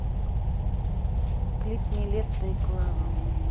клип нилетто и клава